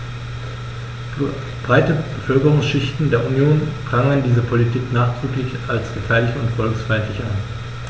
Breite Bevölkerungsschichten der Union prangern diese Politik nachdrücklich als gefährlich und volksfeindlich an.